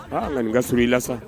Nka ka s i la sa